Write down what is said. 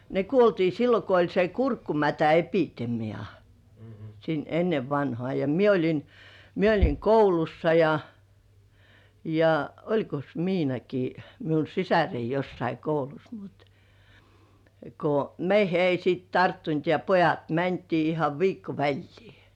ne kuoltiin silloin kun oli se kurkkumätäepidemia silloin ennen vanhaan ja minä olin minä olin koulussa ja ja olikos Miinakin minun sisareni jossakin koulussa mutta kun meihin ei sitten tarttunut ja pojat mentiin ihan viikko väliä